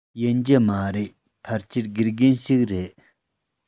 ཡིན གྱི མ རེད ཕལ ཆེར དགེ རྒན ཞིག རེད